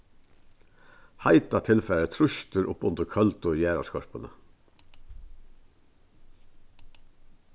heita tilfarið trýstir upp undir køldu jarðarskorpuna